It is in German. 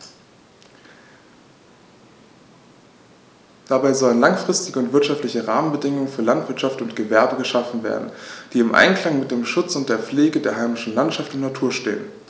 Dabei sollen langfristige und wirtschaftliche Rahmenbedingungen für Landwirtschaft und Gewerbe geschaffen werden, die im Einklang mit dem Schutz und der Pflege der heimischen Landschaft und Natur stehen.